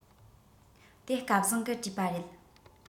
དེ སྐལ བཟང གིས བྲིས པ རེད